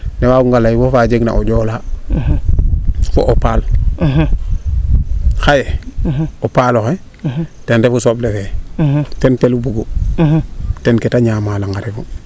ne waag nga ley wo faa jeg na o Ndiola fo o paal xaye o paaloxe ten refu soble fee ten pelu bugu ten keete ñaama laŋ a refu